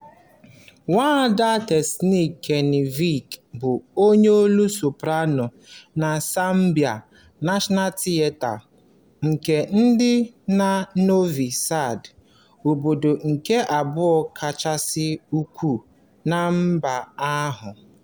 Nwaada Tasić Knežević bụ onye olu soprano na Serbian National Theatre, nke dị na Novi Sad, obodo nke abụọ kachasị ukwuu na mba ahụ.